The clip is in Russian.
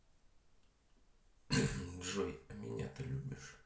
джой а меня ты любишь